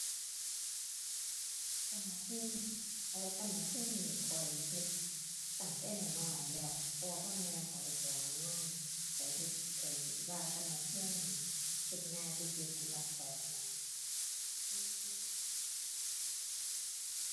ตำบักหุ่ง เพราะว่าตำบักหุ่งนี้ข้อยเฮ็ดตั้งแต่น้อยน้อยแล้ว พ่อกับแม่ข้อยสอนมา ข้อยเฮ็ดข้อยคิดว่าตำบักหุ่งนี่เฮ็ดง่ายที่สุดสำหรับข้อยแล้วล่ะ